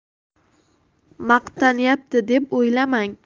maqtanyapti deb o'ylamang